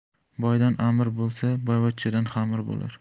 boydan amr bo'lsa boyvachchadan xamir bo'lar